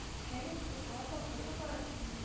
Хәер, Европа Кубогы